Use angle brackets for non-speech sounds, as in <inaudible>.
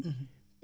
<hesitation>